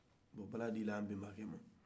bɔn bala dila an bɛnbakɛ ma